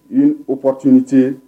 Ni op tun tɛ